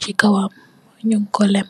ci kawam ñunko lem.